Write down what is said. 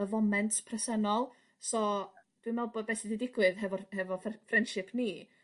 y foment presennol so dwi'n me'wl bo' be' sy' 'di digwydd hefo'r hefo fyr friendship ni